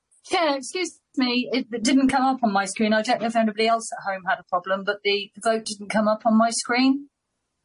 Yeah excuse me, it didn't come up on my screen. I don't know if anybody else at home had a problem, but the the vote didn't come up on my screen.